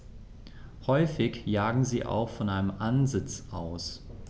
Häufig jagen sie auch von einem Ansitz aus.